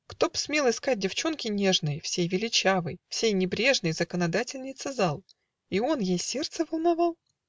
Кто б смел искать девчонки нежной В сей величавой, в сей небрежной Законодательнице зал? И он ей сердце волновал!